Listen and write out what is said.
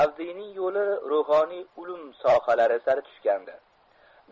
avdiyning yo'li ruhoniy ulum sohalari sari tushgandi